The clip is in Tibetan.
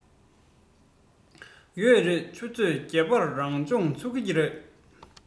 ཡོད རེད ཆུ ཚོད བརྒྱད པར རང སྦྱོང འགོ ཚུགས ཀྱི རེད